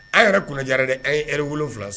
A yɛrɛ kunnaja de a ye yɛrɛ wolofila